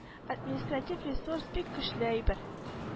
Административ ресурс бик көчле әйбер